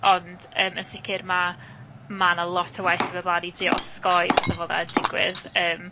Ond yym, yn sicr ma' ma' 'na lot o waith yn mynd 'mlaen i drio osgoi beth fel 'na'n digwydd yym...